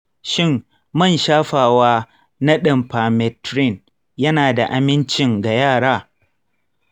shin man shafawa na ɗin permethrin yana da amincin ga yara?